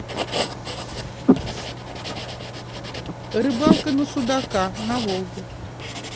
рыбалка на судака на волге